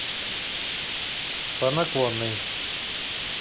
по наклонной